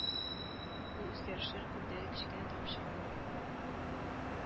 Бу үзгәрешләр күлдәге кечкенә тамчы гына